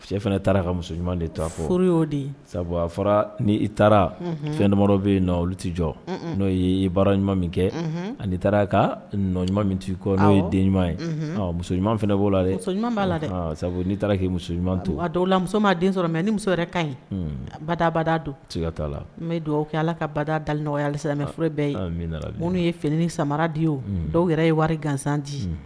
Si fana taara ka muso ɲuman de to a fɔ y'o di sabu a fɔra ni i taara fɛn dama bɛ nɔn olu tɛ jɔ n'o i baara ɲuman min kɛ anii taara ka nɔ ɲuman min ti kɔ n'o ye den ɲuman ye muso ɲuman fana' la ɲuman'a la sabu n'i taara k'i muso ɲuman to a dɔw la muso'a den sɔrɔ mɛ ni muso wɛrɛ ka ɲi badabada don la n dɔgɔ kɛ ala ka bada dalen nɔgɔyaya halisamɛ fur bɛɛ ye minnu ye fini samara di ye dɔw yɛrɛ ye wari gansandi ye